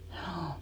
juu